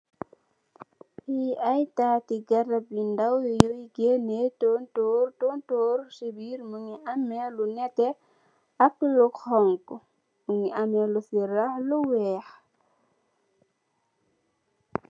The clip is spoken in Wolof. Li ay taati garab yi ndaw yi gèni tontorr, tontorr ci biir mungi ameh lu nètè ak lu honku. Mungi ameh lu ci rah lu weeh.